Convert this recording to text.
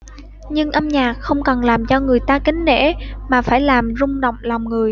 nhưng âm nhạc không cần làm cho người ta kính nể mà phải làm rung động lòng người